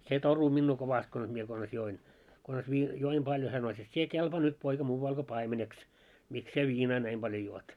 se torui minua kovasti konsa minä konsa join konsa - join paljon hän sanoi et sinä kelpaa nyt poika muualle kuin paimeneksi miksi sinä viinaa näin paljon juot